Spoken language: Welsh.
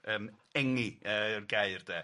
Yym engi yy yw'r gair de.